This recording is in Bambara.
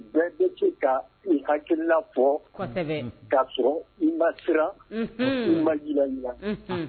Bɛɛ bɛ se ka i hakilikiina fɔ kosɛbɛ k' sɔrɔ i ma siran i ma jira ɲin